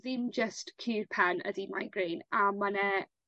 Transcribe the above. ddim jyst cur pen ydi migraine a ma' 'ny